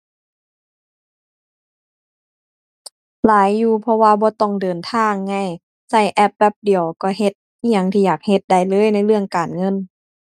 หลายอยู่ เพราะว่าบ่ต้องเดินทางไง ใช้แอปแป๊บเดียวก็เฮ็ดอิหยังที่อยากเฮ็ดได้เลยในเรื่องการเงิน